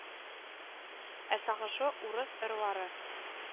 Ә сагышлы урыс ырлары